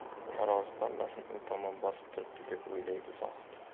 tarozi pallasini u tomon bosib turibdi deb o'yladi zohid